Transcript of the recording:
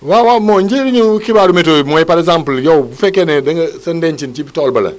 waaw waaw moo njëriñu xibaaru météo bi mooy par exemple yow bu fekkee ne da nga sa ndencin ci tool ba la